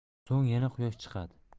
so'ng yana quyosh chiqadi